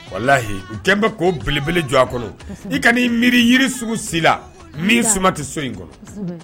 O layi u kɛlen bɛ ko belebele jɔ a kɔnɔ i ka'i miiriiri sugu si la min si ma tɛ so in kɔnɔ